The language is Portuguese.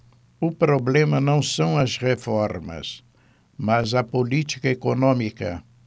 o problema não são as reformas mas a política econômica